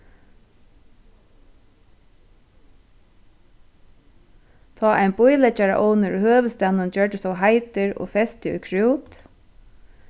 tá ein bíleggjaraovnur í høvuðsstaðnum gjørdist ov heitur og festi í krút